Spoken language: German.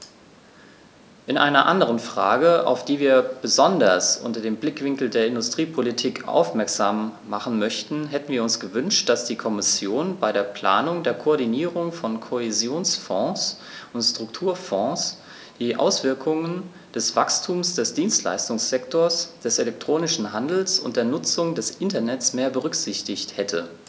In einer anderen Frage, auf die wir besonders unter dem Blickwinkel der Industriepolitik aufmerksam machen möchten, hätten wir uns gewünscht, dass die Kommission bei der Planung der Koordinierung von Kohäsionsfonds und Strukturfonds die Auswirkungen des Wachstums des Dienstleistungssektors, des elektronischen Handels und der Nutzung des Internets mehr berücksichtigt hätte.